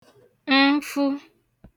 nfu